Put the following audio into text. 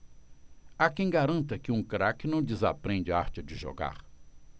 há quem garanta que um craque não desaprende a arte de jogar